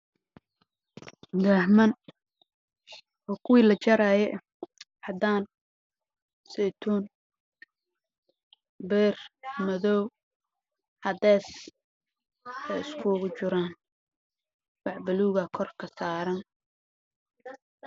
Baatiyaal kuwi lajaraayay ah